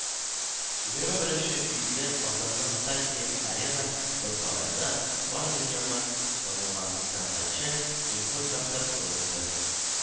Егерме беренче июльдә Казанның "Татнефть-Арена" боз сараенда бар дөньяга танылган сәнгатьче Стингның концерты үтте.